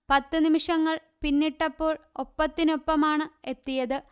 പത്ത് നിമിഷങ്ങൾ പിന്നിട്ടപ്പോൾ ഒപ്പത്തിനൊപ്പമാണ് എത്തിയത്